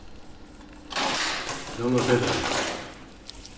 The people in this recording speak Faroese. rannvá petersen